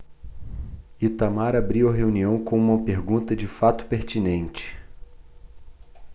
itamar abriu a reunião com uma pergunta de fato pertinente